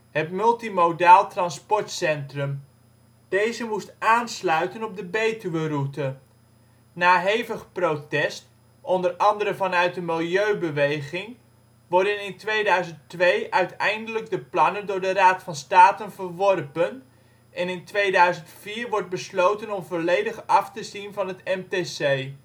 het MTC (Multimodaal Transport Centrum). Deze moest aansluiten op de Betuweroute. Na hevig protest, o.a. vanuit de milieubeweging worden in 2002 uiteindelijk de plannen door de Raad van State verworpen en in 2004 wordt besloten om volledig af te zien van het MTC